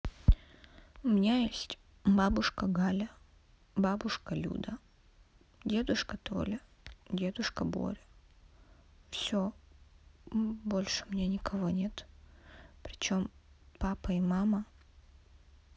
у меня есть бабушка галя бабушка люда дедушка толя дедушка боря все больше у меня никого нет причем папа и мама